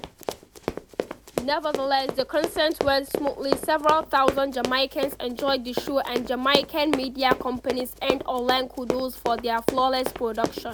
Nevertheless, the concert went smoothly, several thousand Jamaicans enjoyed the show and Jamaican media companies earned online kudos for their flawless production: